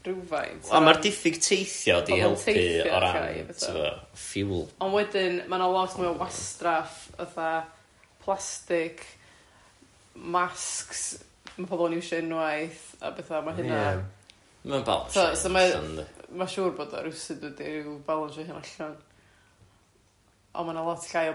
rhywfaint... A ma'r diffyg teithio 'di helpu o ran ti'bod fuel... Ond wedyn ma' na lot mwy o wastraff fatha plastic, masks ma' pobol yn iwsio unwaith a petha ma' hynna... Ie, mae o'n balansio ...so mae'n siŵr bod o rywsut wedi ryw balansio hynna allan, ond ma' 'na lot llai o...